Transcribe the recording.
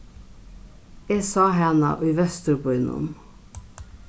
eg sá hana í vesturbýnum